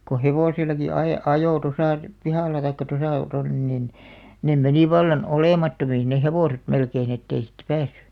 kun hevosillakin - ajoi tuossa pihalla tai tuossa tuonne niin ne meni vallan olemattomiin ne hevoset melkein että ei siitä päässyt